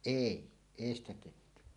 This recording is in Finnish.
ei ei sitä tehty